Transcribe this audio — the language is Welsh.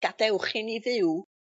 gadewch i ni fyw